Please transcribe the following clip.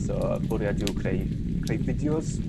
so y bwriad yw creu creu fideos